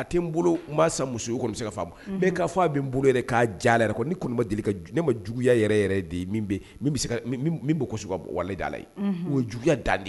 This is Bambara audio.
A tɛ n bolo'a san muso bɛ se ka' fɔ a bɛ n bolo yɛrɛ k'a ja yɛrɛ ni kɔnɔba deli ne ma juguyaya yɛrɛ yɛrɛ de ye min ko kosɛbɛ wale dala ye o ye juguya dan de ye